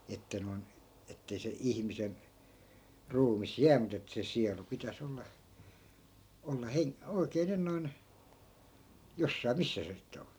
että noin että ei se ihmisen ruumis jää mutta että se sielu pitäisi olla olla - oikein nyt noin jossakin missä se sitten on